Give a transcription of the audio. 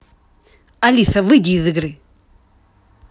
алиса выйди из игры